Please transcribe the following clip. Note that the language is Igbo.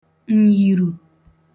ǹyìrù